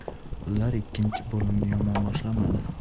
ular ikkinchi bo'limni yomon boshlamadi